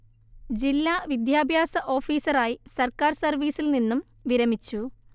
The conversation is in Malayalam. ജില്ലാ വിദ്യാഭ്യാസ ഓഫീസറായി സർക്കാർ സർവീസിൽ നിന്നും വിരമിച്ചു